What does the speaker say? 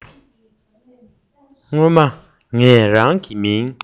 སྔོན མ ངས རང གི མིང